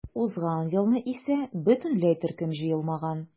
Узган елны исә бөтенләй төркем җыелмаган.